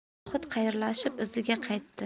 zohid xayrlashib iziga qaytdi